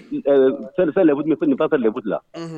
Fɛn lawu nin'a ka wudula